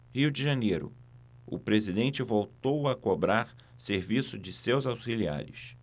rio de janeiro o presidente voltou a cobrar serviço de seus auxiliares